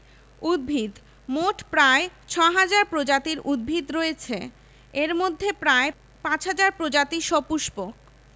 উদ্ভিদঃ মোট প্রায় ৬ হাজার প্রজাতির উদ্ভিদ রয়েছে এর মধ্যে প্রায় ৫ হাজার প্রজাতি সপুষ্পক